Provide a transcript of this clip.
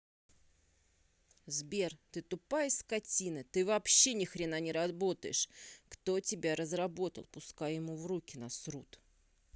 сбер ты тупая скотина ты вообще нихрена не работаешь кто тебя разработал пускает ему в руки насрут